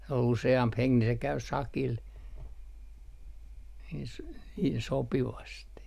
oli useampi henki niin se kävi sakilla - niin sopivasti